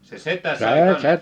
se setä sai kanssa